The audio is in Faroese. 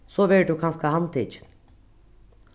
so verður tú kanska handtikin